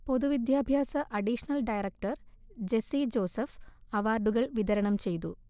പൊതുവിദ്യാഭ്യാസ additional director Jessy Joseph അവാർഡുകൾ വിതരണംചെയ്തു